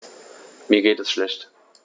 Mir geht es schlecht.